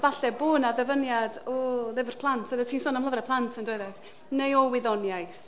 Falle bod 'na ddyfyniad o lyfr plant, oeddet ti'n sôn am lyfrau plant yn doeddet, neu o wyddoniaeth.